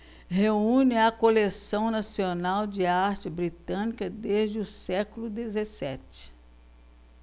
reúne a coleção nacional de arte britânica desde o século dezessete